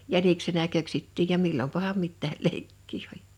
jäniksenä köksittiin ja milloinpahan mitäkin leikkiä oli